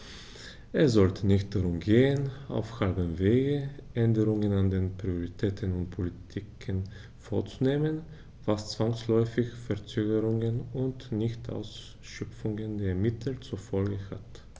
Es sollte nicht darum gehen, auf halbem Wege Änderungen an den Prioritäten und Politiken vorzunehmen, was zwangsläufig Verzögerungen und Nichtausschöpfung der Mittel zur Folge hat.